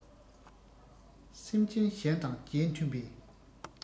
སེམས ཅན གཞན དང རྗེས མཐུན པའི